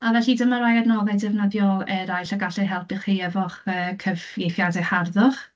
A felly dyma rai adnoddau defnyddiol eraill a gall ei helpu chi efo'ch, yy, cyfieithiadau harddwch.